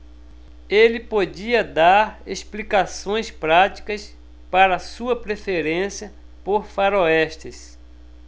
ele podia dar explicações práticas para sua preferência por faroestes